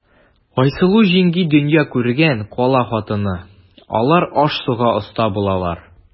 Айсылу җиңги дөнья күргән, кала хатыны, алар аш-суга оста булалар.